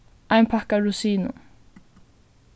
ein pakka av rosinum